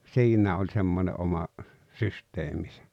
siinä oli semmoinen oma systeeminsä